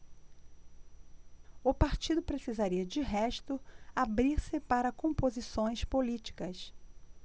o partido precisaria de resto abrir-se para composições políticas